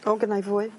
O gynnai fwy.